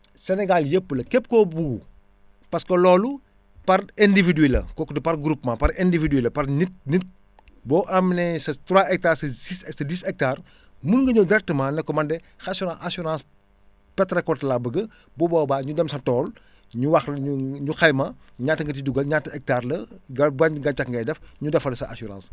Sénégal yëpp la képp ku ko buggu parce que loolu par individu la kooku du par groupement par individu la par nit nit boo amené sa trois hectares sa six ak sa dix hectares mun nga ñëw directement ne ko man de asssur assurance perte récolte laa bëgg bu boobaa ñu dem sa tool ñu wax ñooñu ñu xayma ñaata nga ci dugal énaata hectares la nga ban gàncax ngay def ñu defal la sa assurance